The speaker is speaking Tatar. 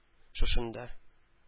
Шушында